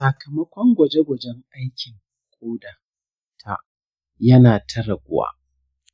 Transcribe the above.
sakamakon gwaje-gwajen aikin ƙoda ta ya na ta raguwa.